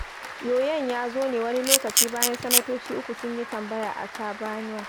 Yoyon ya zo ne wani lokaci bayan sanatoci uku sun yi tambaya a Kavanaugh.